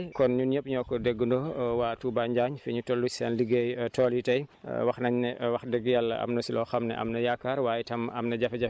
jërëjëf Penda Diagne kon ñun ñëpp ñoo ko déggandoo waa Touba Njaañ fi ñu toll seen liggéey tool yi tey wax nañ ne wax dëgg yàlla am na si loo xam neam nañ yaakaar